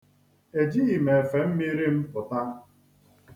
E jighi m efemmiri m pụta.